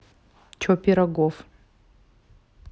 чо пирогов